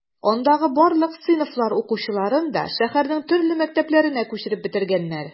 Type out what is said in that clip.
Андагы барлык сыйныфлар укучыларын да шәһәрнең төрле мәктәпләренә күчереп бетергәннәр.